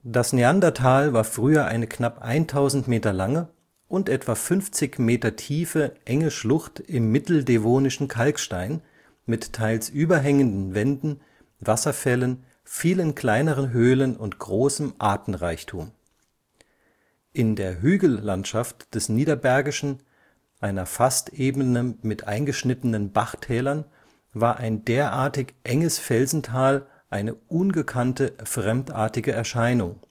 Das Neandertal war früher eine knapp 1.000 m lange und etwa 50 m tiefe enge Schlucht im mitteldevonischen Kalkstein mit teils überhängenden Wänden, Wasserfällen, vielen kleineren Höhlen und großem Artenreichtum. In der Hügellandschaft des Niederbergischen, einer Fastebene mit eingeschnittenen Bachtälern, war ein derartig enges Felsental eine ungekannte, fremdartige Erscheinung